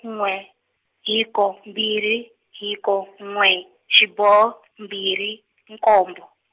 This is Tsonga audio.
n'we, hiko , mbirhi, hiko n'we, xiboho mbirhi, nkombo.